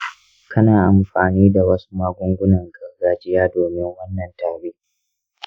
kana amfani da wasu magungunan gargajiya domin wannan tari?